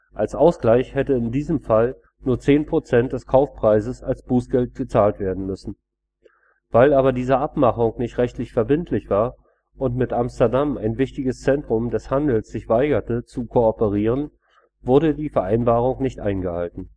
Als Ausgleich hätten in diesem Fall nur 10 Prozent des Kaufpreises als Bußgeld gezahlt werden müssen. Weil aber diese Abmachung nicht rechtlich verbindlich war und mit Amsterdam ein wichtiges Zentrum des Handels sich weigerte, zu kooperieren, wurde die Vereinbarung nicht eingehalten